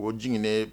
O jigininɛ